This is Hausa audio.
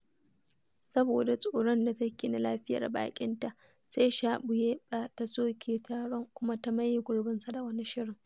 Saboda tsoron da take na lafiyar baƙinta, sai Shabuyeɓa ta soke taron kuma ta maye gurbinsa da wani shirin.